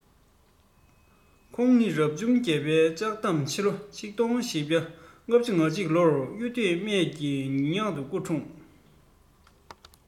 ཁོང ནི རབ བྱུང བརྒྱད པའི ལྕགས ཕག ཕྱི ལོ ༡༤༩༡ ལོར ཡུལ མདོ སྨད མི ཉག ཏུ སྐུ འཁྲུངས